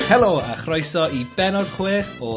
Helo a chroeso i bennod chwech o...